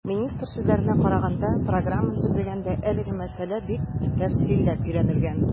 Министр сүзләренә караганда, программаны төзегәндә әлеге мәсьәлә бик тәфсилләп өйрәнелгән.